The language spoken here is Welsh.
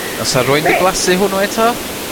O's 'a rywun 'di blasu hwnnw eto?